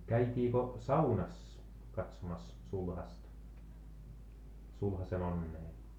käytiinkö saunassa katsomassa sulhasta sulhasen onnea